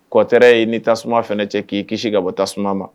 Kɔtɛ yen ye ni tasuma fana cɛ k'i kisi ka bɔ tasuma ma